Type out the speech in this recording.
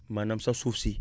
maanaam sa suuf si